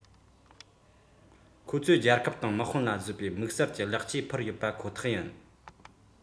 ཁོ ཚོས རྒྱལ ཁབ དང དམག དཔུང ལ བཟོས པའི དམིགས བསལ གྱི ལེགས སྐྱེས ཕུལ ཡོད པ ཁོ ཐག ཡིན